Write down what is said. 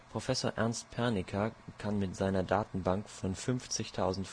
Professor Ernst Pernicka kann mit seiner Datenbank von 50.000 vorgeschichtlichen